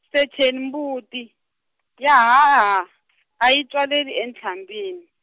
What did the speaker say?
secheni mbuti , ya haha, a yi tswaleli entlhambini.